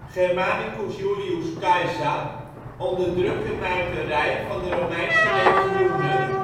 Germanicus Julius Caesar onderdrukt een muiterij van de Romeinse legioenen